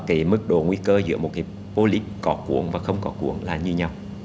cái mức độ nguy cơ giữa một cái pô líp có cuống và không có cuống là như nhau